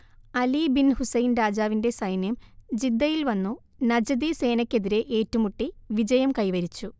Ali bin Hussain രാജാവിന്റെ സൈന്യം ജിദ്ദയിൽ വന്നു നജദി സേനക്കെതിരെ ഏറ്റു മുട്ടി വിജയം കൈവരിച്ചു